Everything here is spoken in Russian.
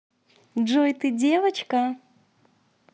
джой ты девочка